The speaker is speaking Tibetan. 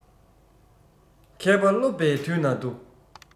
མཁས པ སློབ པའི དུས ན སྡུག